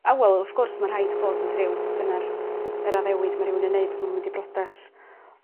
a wel wrth gwrs ma' rhaid bod yn driw dyna'r yr addewid ma' rhywun yn neud pan ma' n'w mynd i brodas.